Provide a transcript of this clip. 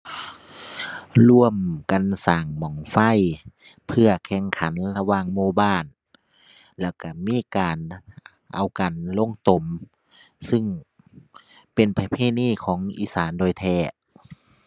ร่วมกันสร้างบั้งไฟ เพื่อแข่งขันระหว่างหมู่บ้าน แล้วก็มีการเอากันลงตม ซึ่งเป็นประเพณีของอีสานโดยแท้